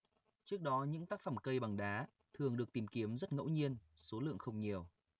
trước đó những tác phẩm cây bằng đá thường được tìm kiếm rất ngẫu nhiên số lượng không nhiều